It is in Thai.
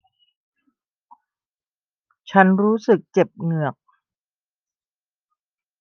ฉันรู้สึกเจ็บเหงือก